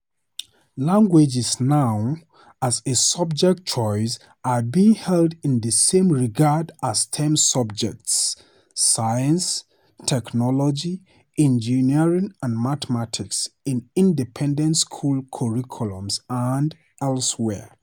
Languages now, as a subject choice, are being held in the same regard as STEM subjects (science, technology, engineering and mathematics) in independent school curriculums and elsewhere.